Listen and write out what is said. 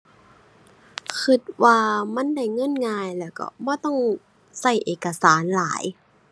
คิดว่ามันได้เงินง่ายแล้วก็บ่ต้องคิดเอกสารหลาย